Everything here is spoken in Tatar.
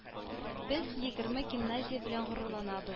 Без егерме гимназия белән горурланабыз